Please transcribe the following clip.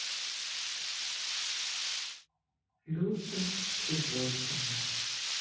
люся чеботина